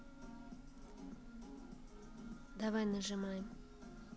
давай нажимай